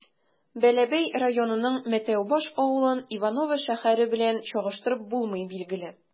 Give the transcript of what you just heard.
Бәләбәй районының Мәтәүбаш авылын Иваново шәһәре белән чагыштырып булмый, билгеле.